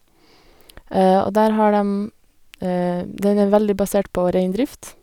Og der har dem den er veldig basert på reindrift.